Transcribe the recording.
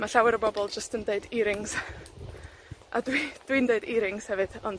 Ma' llawer o bobol jyst yn deud earings. A dwi, dwi'n deud earings hefyd, ond,